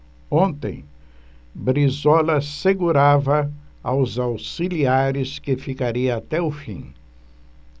ontem brizola assegurava aos auxiliares que ficaria até o fim